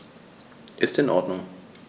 Ist in Ordnung.